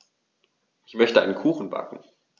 Ich möchte einen Kuchen backen.